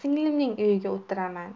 singlimning uyida o'tiraman